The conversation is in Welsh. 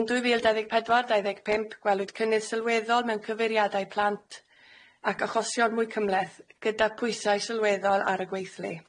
Yn dwy fil dau ddeg pedwar dau ddeg pump gwelwyd cynnydd sylweddol mewn cyfeiriadau plant ac achosion mwy cymhleth gyda pwysau sylweddol ar y gweithlu.